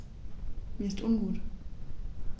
Mir ist ungut.